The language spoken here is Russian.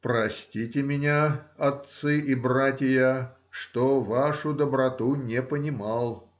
— Простите меня, отцы и братия, что вашу доброту не понимал.